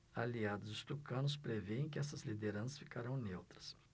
aliados do tucano prevêem que essas lideranças ficarão neutras